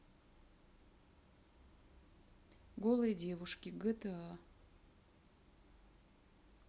голые девушки гта